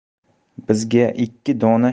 bizga ikki dona